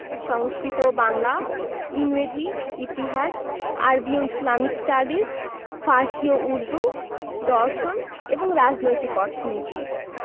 সংস্কৃত ও বাংলা ইংরেজি ইতিহাস আরবি ও ইসলামিক স্টাডিজ ফার্সি ও উর্দু দর্শন এবং রাজনৈতিক অর্থনীতি